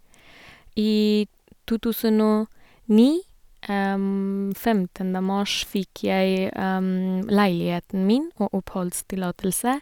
I to tusen og ni, femtende mars, fikk jeg leiligheten min og oppholdstillatelse.